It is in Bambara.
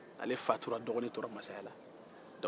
ale fatura dɔgɔnin tora masaya la